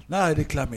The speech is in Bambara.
N'a y'a reclamé